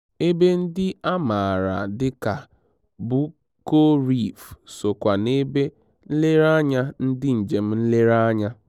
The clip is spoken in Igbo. Ebe ndị a maara dịka Buccoo Reef so kwa n'ebe nlereanya ndị njem nlereanya.